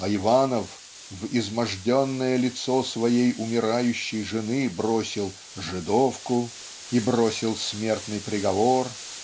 а Иванов в изможденное лицо своей умирающей жены бросил "жидовку" и бросил смертный приговор.